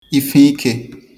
ifeikē